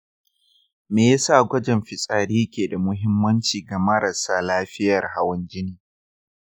me ya sa gwajin fitsari ke da muhimmanci ga marasa lafiyar hawan jini?